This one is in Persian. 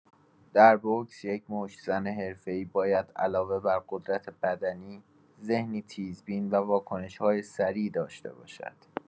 در بوکس، یک مشت‌زن حرفه‌ای باید علاوه بر قدرت‌بدنی، ذهنی تیزبین و واکنش‌هایی سریع داشته باشد.